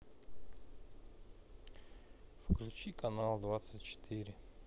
включи канал двадцать четыре